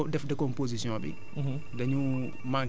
te war décom def décomposition bi